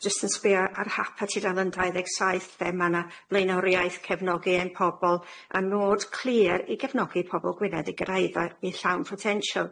jyst yn sbio ar hap ar tudalen dau ddeg saith dde ma' na blaenoriaeth cefnogi ein pobol a nôd clir i gefnogi pobol Gwynedd i gyrraedd a'i llawn potensial.